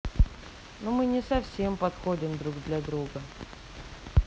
ну мы не совсем подходим друг для друга